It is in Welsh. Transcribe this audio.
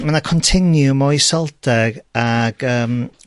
ma' 'na continiwm oiselder ag yym